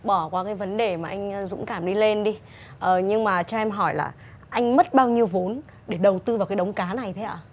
bỏ qua cái vấn đề mà anh dũng cảm đi lên đi ờ nhưng mà cho em hỏi là anh mất bao nhiêu vốn để đầu tư vào cái đống cá này thế ạ